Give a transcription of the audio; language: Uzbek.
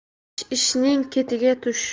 ish ishning ketiga tush